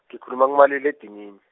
ngikhuluma kumalila edinini.